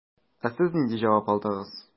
Ә сез нинди җавап алдыгыз?